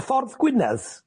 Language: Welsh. Ffordd Gwynedd?